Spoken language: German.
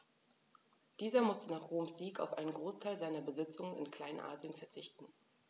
Dieser musste nach Roms Sieg auf einen Großteil seiner Besitzungen in Kleinasien verzichten.